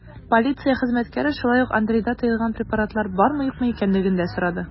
Полиция хезмәткәре шулай ук Андрейда тыелган препаратлар бармы-юкмы икәнлеген дә сорады.